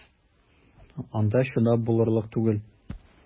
Анда чыдап булырлык түгел!